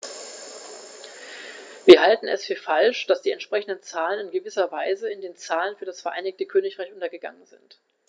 Wir halten es für falsch, dass die entsprechenden Zahlen in gewisser Weise in den Zahlen für das Vereinigte Königreich untergegangen sind.